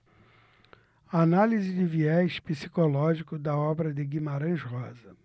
análise de viés psicológico da obra de guimarães rosa